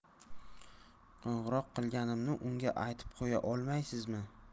qo'ng'iroq qilganimni unga aytib qo'ya olmaysizmi